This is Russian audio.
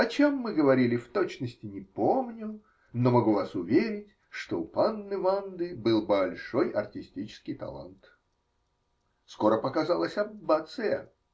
О чем мы говорили, в точности не помню, но могу вас уверить, что у панны Ванды был большой артистический талант. Скоро показалась Аббация.